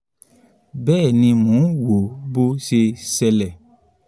Bẹ́ẹ̀ ni mò ń wòó bó se ń ṣẹlẹ̀.